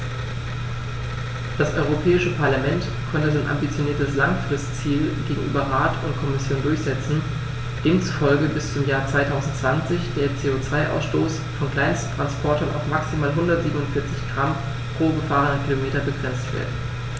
Das Europäische Parlament konnte sein ambitioniertes Langfristziel gegenüber Rat und Kommission durchsetzen, demzufolge bis zum Jahr 2020 der CO2-Ausstoß von Kleinsttransportern auf maximal 147 Gramm pro gefahrenem Kilometer begrenzt wird.